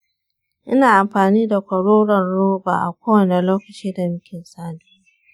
ina amfani da kwaroron roba a kowane lokaci da muke saduwa.